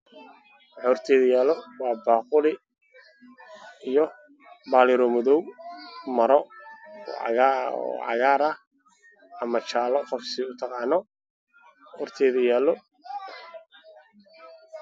Waa dugsi dabka saaran waxaa lagu karinayaa hilib cadaan ah biyo ayaa lagu karinayaa dugsiga